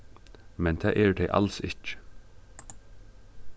men tað eru tey als ikki